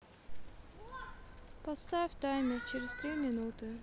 поставь таймер через три минуты